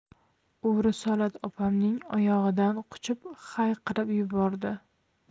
u risolat opamning oyog'idan quchib hayqirib yubordi